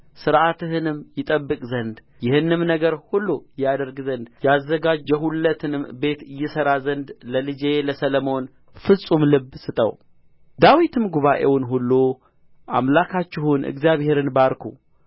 ሥርዓትህንም ይጠብቅ ዘንድ ይህንም ነገር ሁሉ ያደርግ ዘንድ ያዘጋጀሁለትንም ቤት ይሠራ ዘንድ ለልጄ ለሰሎሞን ፍጹም ልብ ስጠው ዳዊትም ጉባኤውን ሁሉ አምላካችሁን እግዚአብሔርን ባርኩ